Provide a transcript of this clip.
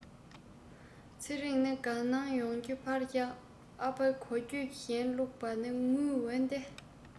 ཚེ རིང ནི དགའ སྣང ཡོང རྒྱུ ཕར བཞག ཨ ཕའི གོ རྒྱུ གཞན བླུག པ ནི དངུལ འོན ཏེ